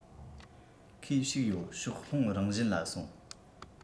ཁོས ཞིག ཡོད ཕྱོགས ལྷུང རང བཞིན ལ སོང